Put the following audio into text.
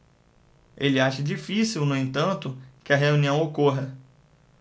ele acha difícil no entanto que a reunião ocorra